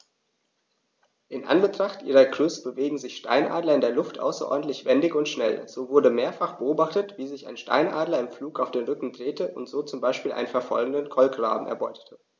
In Anbetracht ihrer Größe bewegen sich Steinadler in der Luft außerordentlich wendig und schnell, so wurde mehrfach beobachtet, wie sich ein Steinadler im Flug auf den Rücken drehte und so zum Beispiel einen verfolgenden Kolkraben erbeutete.